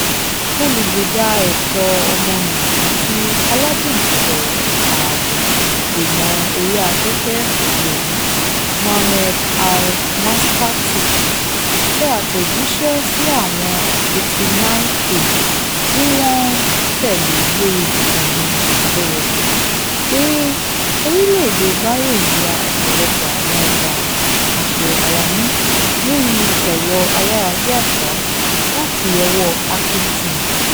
Olùgbèjà ẹ̀tọ́ ọmọnìyàn àti alájùmọ̀sọ̀rọ̀ ààbò ìmọ̀ orí afẹ́fẹ́ òde òní Mohammed Al-Maskati tẹ àtẹ̀jíṣẹ́ sì àwọn 89k tí wọn ń tẹ̀lée lórí ìkànnì abẹ́yẹfò pé Orílẹ̀-èdè Bahrain ra ọ̀pọ̀lọpọ̀ àwọn ọjà aṣe-alamí lórí ẹ̀rọ ayárabíàsá láti ọwọ́ Hacking Team.